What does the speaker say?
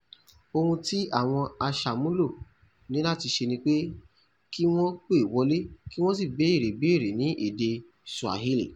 Ohun tí àwọn aṣàmúlò ní láti ṣe ni pé kí wọ́n pè wọlé kí wọ́n sì bèrè ìbéèrè ní èdè Swahili.